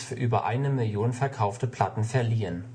eine Million verkaufte Platten verliehen